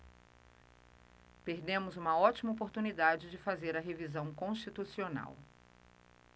perdemos uma ótima oportunidade de fazer a revisão constitucional